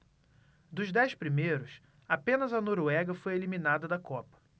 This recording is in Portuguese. dos dez primeiros apenas a noruega foi eliminada da copa